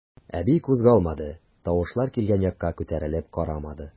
Әби кузгалмады, тавышлар килгән якка күтәрелеп карамады.